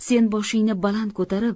sen boshingni baland ko'tarib